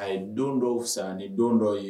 A ye don dɔw fisa ni don dɔw ye